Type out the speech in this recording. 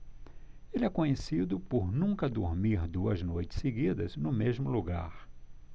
ele é conhecido por nunca dormir duas noites seguidas no mesmo lugar